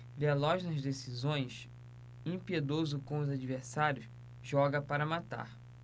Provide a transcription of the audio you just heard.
veloz nas decisões impiedoso com os adversários joga para matar